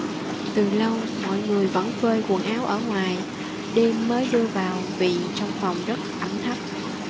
từ lâu mọi người vẫn phơi quần áo ở ngoài đêm mới đưa vào vì trong phòng rất ẩm thấp